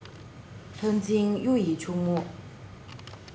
ལྷ རྫིང གཡུ ཡི ཕྱུག མོ